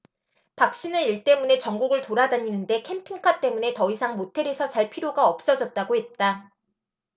박씨는 일 때문에 전국을 돌아다니는데 캠핑카 때문에 더 이상 모텔에서 잘 필요가 없어졌다고 했다